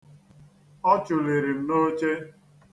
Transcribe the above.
Ọ chụliri m n'oche.